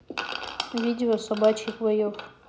видео собачьих боев